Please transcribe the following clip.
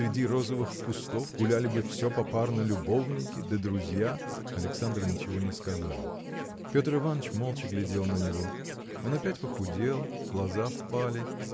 среди розовых кустов гуляли бы всё попарно любовники да друзья. Александр ничего не сказал. Петр Иваныч молча глядел на него. Он опять похудел. Глаза впали.